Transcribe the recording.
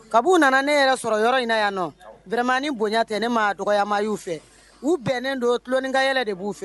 Kab u nana ne yɛrɛ sɔrɔ yɔrɔ in na yan nɔ bɛmanmani bonya tɛ ne maa dɔgɔmaa y'u fɛ u bɛnnen don tulonloninkan yɛlɛ de b'u fɛ